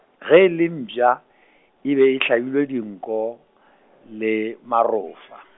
ge e le mpša, e be hlabilwe dinko , le marofa.